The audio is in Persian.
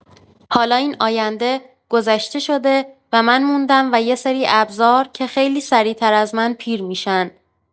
حالا این آینده، گذشته شده و من موندم و یه سری ابزار که خیلی سریع‌تر از من پیر می‌شن.